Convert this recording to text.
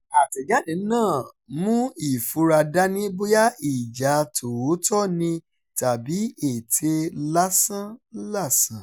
Àtẹ̀jáde náà mú ìfura dání bóyá ìjà tòótọ́ ni tàbí ète lásán-làsàn: